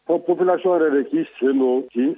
Fɔ population yɛrɛ de k'i sen don k'i